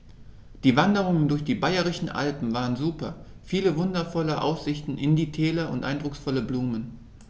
Die Wanderungen durch die Bayerischen Alpen waren super. Viele wundervolle Aussichten in die Täler und eindrucksvolle Blumen.